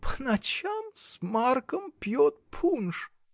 — По ночам с Марком пьет пунш!